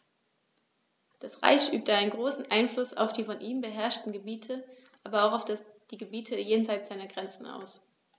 Das Reich übte einen großen Einfluss auf die von ihm beherrschten Gebiete, aber auch auf die Gebiete jenseits seiner Grenzen aus.